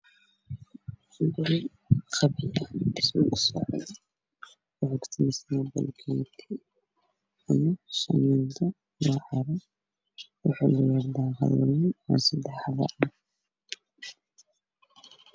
Meeshaan waxaa iga muuqda laba dembi berbi waxaa ku socda dhismo darbiga kalena kalarkiisu waa caddaan